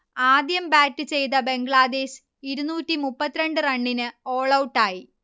ആദ്യം ബാറ്റ് ചെയ്ത ബംഗ്ലാദേശ് ഇരുന്നൂറ്റി മുപ്പത്തി രണ്ട് റണ്ണിന് ഓൾഔട്ടായി